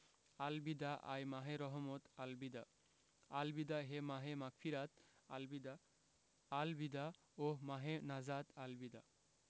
আল বিদা আয় মাহে রহমাত আল বিদা আল বিদা হে মাহে মাগফিরাত আল বিদা আল বিদা ওহঃ মাহে নাজাত আল বিদা